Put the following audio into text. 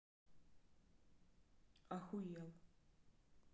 охуел